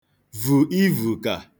vù ivù kà